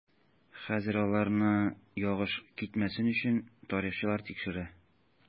Хәзер аларны ялгыш китмәсен өчен тарихчылар тикшерә.